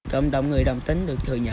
cộng đồng người đồng tính được thừa nhận